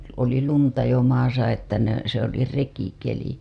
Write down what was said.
oli lunta jo maassa että ne se oli rekikeli